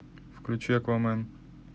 включи аквамэн